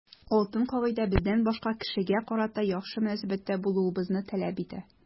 Алтын кагыйдә бездән башка кешегә карата яхшы мөнәсәбәттә булуыбызны таләп итә.